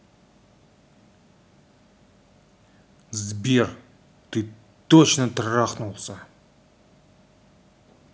сбер ты точно трахнулся